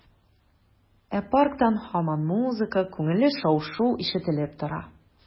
Ә парктан һаман музыка, күңелле шау-шу ишетелеп тора.